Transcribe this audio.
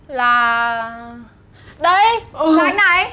là đây là anh này